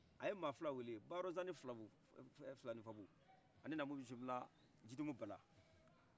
aye mɔgɔ fila wele ba yɔrɔ zan ni filani fabu ani namu bisimila jitumu nala